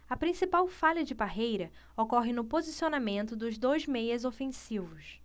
a principal falha de parreira ocorre no posicionamento dos dois meias ofensivos